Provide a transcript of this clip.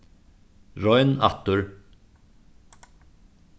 royn aftur